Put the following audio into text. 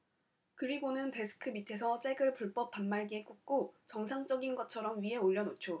그리고는 데스크 밑에서 잭을 불법 단말기에 꽂고 정상적인 것처럼 위에 올려놓죠